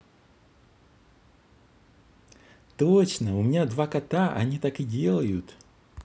точно у меня два кота они так и делают